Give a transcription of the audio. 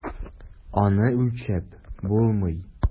Аны үлчәп булмый.